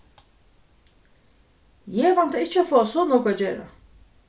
eg væntaði ikki at fáa so nógv at gera